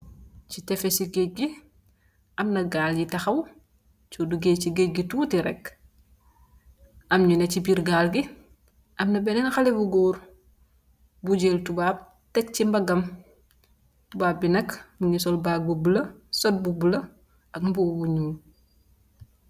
Si tsigisi guage amna gaal yu takhaw su dugeh si guage gi tuti rek am nyu neh si birr gaal gi amna benen khaleh bu goor bu jel tubab tek si mbagam tubab bi nak mungi sul bag bu bulah short bu bulah ak mbobu